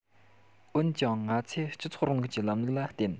འོན ཀྱང ང ཚོས སྤྱི ཚོགས རིང ལུགས ཀྱི ལམ ལུགས ལ བརྟེན